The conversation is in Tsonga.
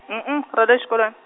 hm- hm- ra le xikolweni.